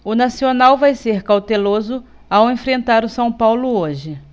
o nacional vai ser cauteloso ao enfrentar o são paulo hoje